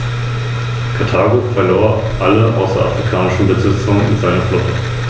Landkreise, Kommunen, Vereine, Verbände, Fachbehörden, die Privatwirtschaft und die Verbraucher sollen hierzu ihren bestmöglichen Beitrag leisten.